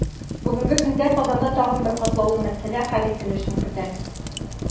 Бүгенге көндә Казанда тагын бер катлаулы мәсьәлә хәл ителешен көтә.